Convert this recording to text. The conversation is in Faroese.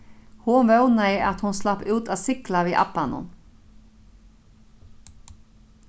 hon vónaði at hon slapp út at sigla við abbanum